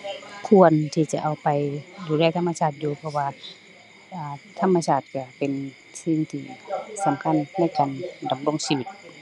ควรที่จะเอาไปดูแลธรรมชาติอยู่ เพราะว่า อ่า ธรรมชาติก็เป็นสิ่งที่สำคัญในการดำรงชีวิต